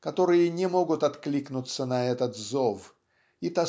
которые не могут откликнуться на этот зов и.